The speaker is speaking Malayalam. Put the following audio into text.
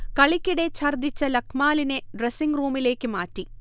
കളിക്കിടെ ഛർദിച്ച ലക്മാലിനെ ഡ്രസിങ്ങ് റൂമിലേക്ക് മാറ്റി